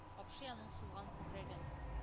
Капшый аның сулган күкрәген!